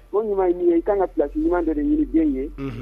O ɲuman ye min ye i kan ka pilalasi ɲuman dɔ de ɲini den ye